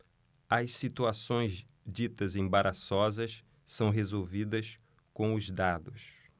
as situações ditas embaraçosas são resolvidas com os dados